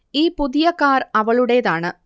ഈ പുതിയ കാർ അവളുടെതാണ്